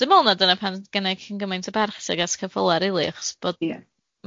Dw me'l na dyna pam gynna i cyn gymaint o barch tuag at ceffyla rili achos bod